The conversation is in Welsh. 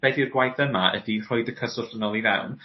be' 'di'r gwaith yma ydi rhoid y cyswllt yn ôl i fewn.